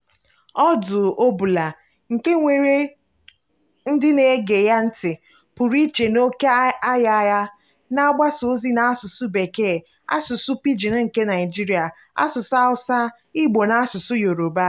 Ọdụ ọ bụla — nke nwere ndị na-ege ya ntị pụrụ iche na òkè ahịa ya — na-agbasa ozi n'asụsụ Bekee, asụsụ Pidgin nke Naịjirịa, asụsụ Hausa, Igbo na asụsụ Yoruba.